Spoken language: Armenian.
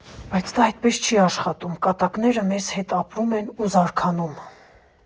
Բայց դա այդպես չի աշխատում, կատակները մեզ հետ ապրում են ու զարգանում։